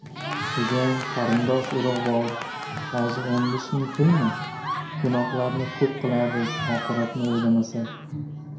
begim qarindosh urug' bor hozir o'n besh ming pulmi gunohlarni ko'p qilardik oxiratni o'ylamasak